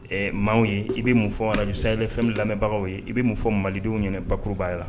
Ɛɛ maa ye i bɛ mun fɔ bisa fɛn lamɛnbagaw ye i bɛ mun fɔ malidenw ɲɛna baba la